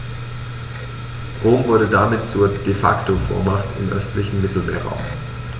Rom wurde damit zur ‚De-Facto-Vormacht‘ im östlichen Mittelmeerraum.